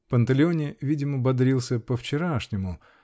Панталеоне видимо бодрился, по-вчерашнему